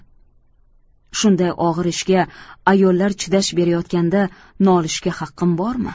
shunday og'ir ishga ayollar chidash berayotganda nolishga haqqim bormi